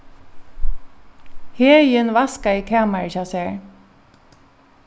heðin vaskaði kamarið hjá sær